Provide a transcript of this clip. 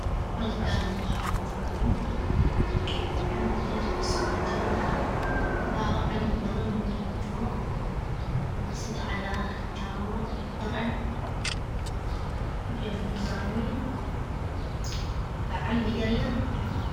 Hadlkan wax ku jiro canbo canbo kalarkisa waa jaalo waa canbo badan oo meel ku jiro waa sida cagaar jaalo isku dar eh waxeyna ku jiraan weel waa canbo yar yar ah